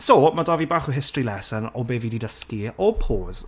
so ma' 'da fi bach o history lesson o be fi 'di dysgu o Pose.